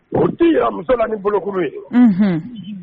U tɛ musola ni boloko ye